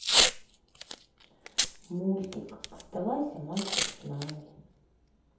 мультик оставайся мальчик с нами